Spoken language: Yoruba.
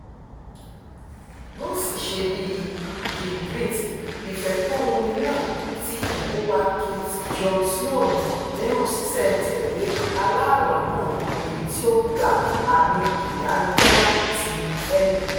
Rose ṣe bíi Ygritte, ìfẹ́ tówuni náà ti ìkópa Kit Jon Snow, nínú ṣíṣẹ̀-n-tẹ̀lé aláàlá náà èyití ó gba àmì-ìdálọ́lá ti Emmy.